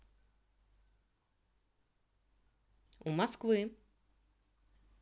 у москвы